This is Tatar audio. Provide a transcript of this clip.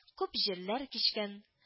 Күп җирләр кичкән